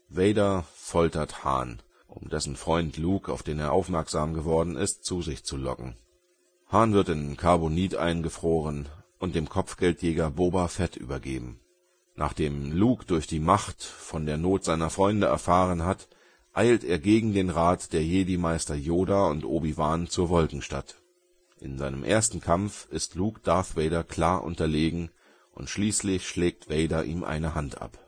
Vader foltert Han, um dessen Freund Luke, auf den er aufmerksam geworden ist, zu sich zu locken. Han wird in Karbonit eingefroren und dem Kopfgeldjäger Boba Fett übergeben. Nachdem Luke durch die Macht von der Not seiner Freunde erfahren hat, eilt er gegen den Rat der Jedi-Meister Yoda und Obi-Wan zur Wolkenstadt. In seinem ersten Kampf ist Luke Darth Vader klar unterlegen und schließlich schneidet Vader ihm eine Hand ab